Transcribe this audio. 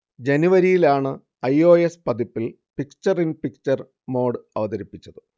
ജനുവരിയിലാണ് I. O. S. പതിപ്പിൽ picture in picture mode അവതരിപ്പിച്ചത്